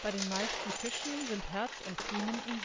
den meisten Fischen sind Herz und Kiemen